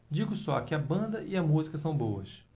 digo só que a banda e a música são boas